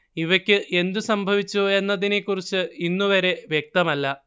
ഇവക്ക് എന്തു സംഭവിച്ചു എന്നതിനെക്കുറിച്ച് ഇന്നുവരെ വ്യക്തമല്ല